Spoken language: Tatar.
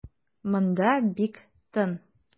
Монда бик тын.